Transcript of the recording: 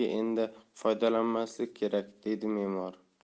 nega endi foydalanmaslik kerak deydi me'mor